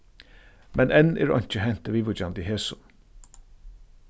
men enn er einki hent viðvíkjandi hesum